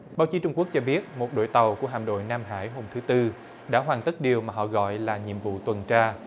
báo chí trung quốc cho biết một đội tàu của hạm đội nam hải hôm thứ tư đã hoàn tất điều mà họ gọi là nhiệm vụ tuần tra